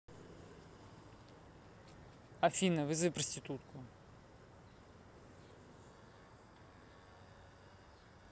афина вызови проститутку